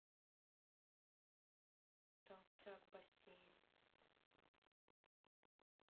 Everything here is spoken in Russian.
толстяк бассейн